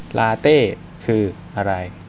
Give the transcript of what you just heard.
ลาเต้คืออะไร